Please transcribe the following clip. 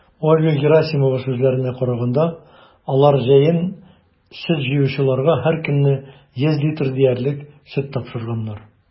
Ольга Герасимова сүзләренә караганда, алар җәен сөт җыючыларга һәркөнне 100 литр диярлек сөт тапшырганнар.